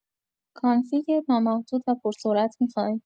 کانفیگ نامحدود و پرسرعت میخوای؟